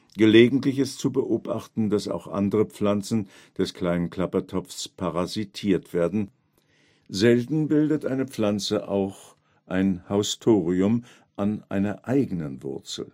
Gelegentlich ist zu beobachten, dass auch andere Pflanzen des Kleinen Klappertopfs parasitiert werden, selten bildet eine Pflanze auch ein Haustorium an einer eigenen Wurzel